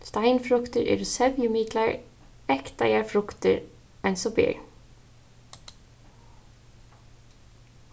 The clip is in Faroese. steinfruktir eru sevjumiklar ektaðar fruktir eins og ber